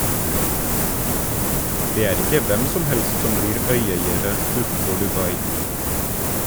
Det er ikke hvem som helst som blir øyeiere utenfor Dubai.